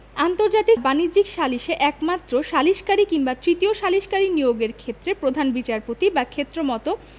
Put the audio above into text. আন্তর্জাতিক বাণিজ্যিক সালিসে একমাত্র সালিসকারী কিংবা তৃতীয় সালিসকারী নিয়োগের ক্ষেত্রে প্রধান বিচারপতি বা ক্ষেত্রমত